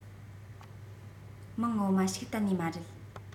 མིང ངོ མ ཞིག གཏན ནས མ རེད